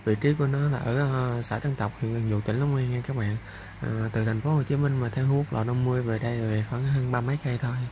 thời tiết của nó là ở xã tân tập huyện cần giuộc tỉnh long an cách mạng từ thành phố hồ chí minh và cây hút vào phấn hương ba mấy cây thôi